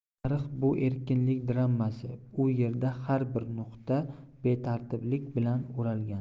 tarix bu erkinlik dramasi u erda har bir nuqta betartiblik bilan o'ralgan